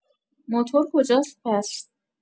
موتور کجاست پس؟